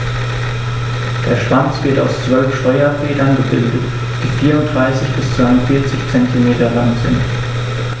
Der Schwanz wird aus 12 Steuerfedern gebildet, die 34 bis 42 cm lang sind.